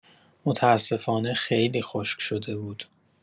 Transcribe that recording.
متأسفانه خیلی خشک شده بود.